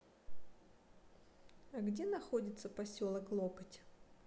а где находится поселок локоть